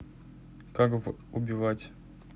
как в убивать